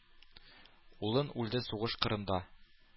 Улың үлде сугыш кырында.